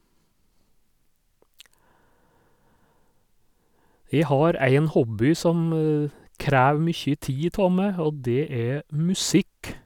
Jeg har en hobby som krever mye tid ta meg, og det er musikk.